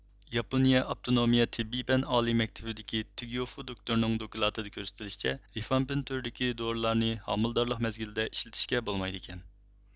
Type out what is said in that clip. ياپونىيە ئاپتونومىيە تېببىي پەن ئالىي مەكتىپىدىكى تېگيوفو دوكتورنىڭ دوكلاتىدا كۆرسىتىلىشىچە رىفامپىن تۈرىدىكى دورىلارنى ھامىلىدارلىق مەزگىلىدە ئىشلىتىشكە بولمايدىكەن